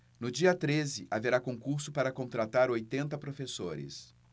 no dia treze haverá concurso para contratar oitenta professores